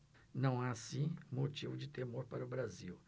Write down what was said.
não há assim motivo de temor para o brasil